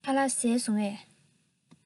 ཞའོ གཡན ཁ ལག བཟས སོང ངས